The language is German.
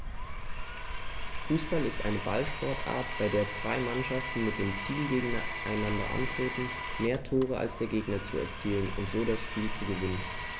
Fußball ist eine Ballsportart, bei der zwei Mannschaften mit dem Ziel gegeneinander antreten, mehr Tore als der Gegner zu erzielen und so das Spiel zu gewinnen.